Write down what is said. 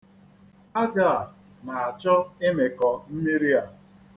Aja a na-achọ ịmịkọ mmiri a.